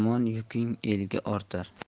yomon yukin elga ortar